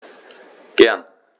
Gern.